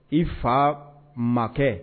I fa makɛ